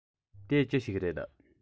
དེ ཅི ཞིག རེད